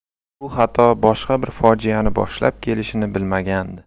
bu xato boshqa bir fojiani boshlab kelishini bilmagandi